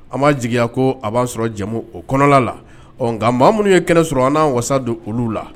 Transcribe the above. An ma jigiya ko a b'a sɔrɔ jamu o kɔnɔna la ɔ nka maa minnu ye kɛnɛ sɔrɔ an b'an wasa don olu la